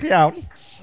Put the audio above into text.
Chi'n iawn?